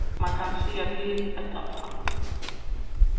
mann kann siga til ella frá